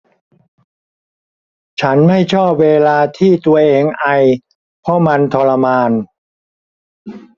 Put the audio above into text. ฉันไม่ชอบเวลาที่ตัวเองไอเพราะมันทรมาน